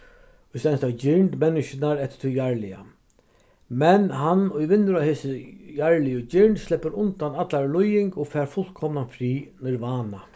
ið stendst av girnd menniskjunnar eftir tí jarðliga men hann ið vinnur á hesi jarðligu girnd sleppur undan allari líðing og fær fullkomnan frið nirvana